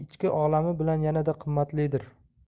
ichki olami bilan yanada qimmatlidir